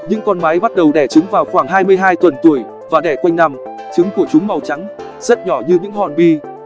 những con mái bắt đầu đẻ trứng vào khoảng tuần tuổi và đẻ quanh năm trứng của chúng màu trắng rất nhỏ như những hòn bi